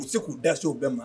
U bɛ se k'u da se u bɛɛ ma